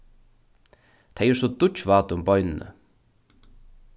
tey eru so dýggjvát um beinini